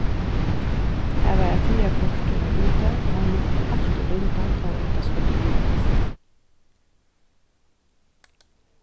har var eitt hagaportur har úti og hann mátti altíð rinda tá ið tað skuldi umvælast